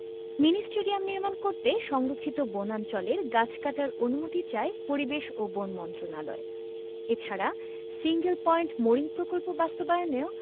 mini stadium নির্মাণ করতে সংরক্ষিত বনাঞ্চলের গাছ কাটার অনুমতি চায় পরিবেশ ও বন মন্ত্রণালয় এছাড়া সিঙ্গেল পয়েন্ট মোরিং প্রকল্প বাস্তবায়নেও